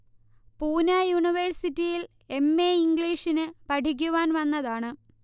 പൂനാ യുനിവേര്സിറ്റിയിൽ M. A. ഇന്ഗ്ലീഷിനു പഠിക്കുവാൻ വന്നതാണ്